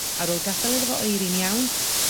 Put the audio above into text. Ar ôl gadael iddo fo oeri'n iawn